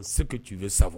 Seke juru sa